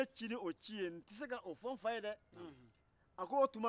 jurudonmasa tɛ ala ye nka a bɛ saralikɛ